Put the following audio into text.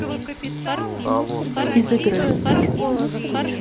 из игры